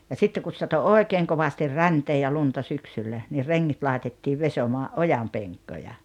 ja sitten kun satoi oikein kovasti räntää ja lunta syksyllä niin rengit laitettiin vesomaan ojanpenkkoja